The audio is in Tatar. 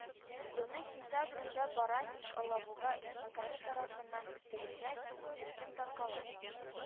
Елның сентябрендә баранник алабуга эшмәкәре тарафыннан үтерелгәч, төркем таркала